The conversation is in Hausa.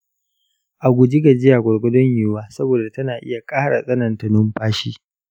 a guji gajiya gwargwadon yiwuwa saboda tana iya ƙara tsananta numfashi.